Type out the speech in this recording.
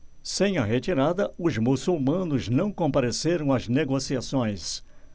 sem a retirada os muçulmanos não compareceram às negociações